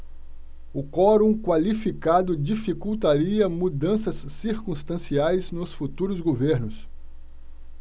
o quorum qualificado dificultaria mudanças circunstanciais nos futuros governos